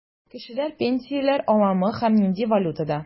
Кешеләр пенсияләр аламы һәм нинди валютада?